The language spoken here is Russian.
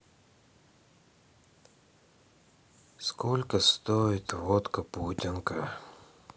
сколько стоит водка путинка